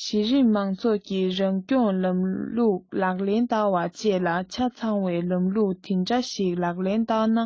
གཞི རིམ མང ཚོགས ཀྱི རང སྐྱོང ལམ ལུགས ལག ལེན བསྟར བ བཅས ལ ཆ ཚང བའི ལམ ལུགས དེ འདྲ ཞིག ལག ལེན བསྟར ན